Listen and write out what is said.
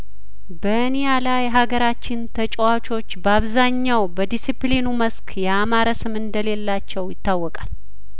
በኒያላ የሀገራችን ተጫዋቾች በአብዛኛው በዲሲፕሊኑ መስክ ያማረ ስም እንደሌላቸው ይታወቃል